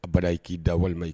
A bala i k'i da walima i